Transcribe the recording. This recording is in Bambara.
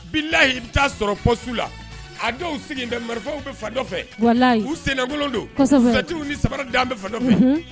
Bi layi taa sɔrɔ su la a dɔw sigilen marifaw bɛ fa fɛ u sen dontiw ni saba d bɛ fa nɔfɛ